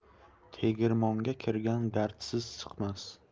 tegirmonga kirgan gardsiz chiqmas